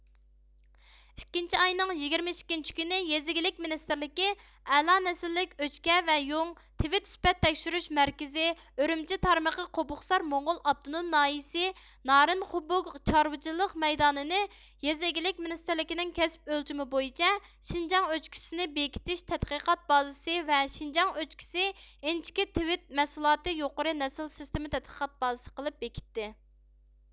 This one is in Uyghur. ئىككىنچى ئاينىڭ يېگىرمە ئىككىنچى كۈنى يېزا ئىگىلىك مىنىستىرلىكى ئەلا نەسىللىك ئۆچكە ۋە يۇڭ تىۋىت سۈپەت تەكشۈرۈش مەركىزى ئۈرۈمچى تارمىقى قوبۇقسار موڭغۇل ئاپتونوم ناھىيىسى نارىن خوبۇگ چارۋىچىلىق مەيدانىنى يېزا ئىگىلىك مىنىستىرلىكىنىڭ كەسىپ ئۆلچىمى بويىچە شىنجاڭ ئۆچكىسى نى بېكىتىش تەتقىقات بازىسى ۋە شىنجاڭ ئۆچكىسى ئىنچىكە تىۋىت مەھسۇلاتى يۇقىرى نەسىل سېستېما تەتقىقات بازىسى قىلىپ بېكىتتى